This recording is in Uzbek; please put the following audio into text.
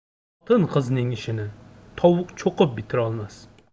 xotin qizning ishini tovuq cho'qib bitirolmas